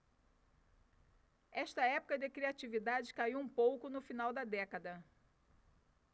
esta época de criatividade caiu um pouco no final da década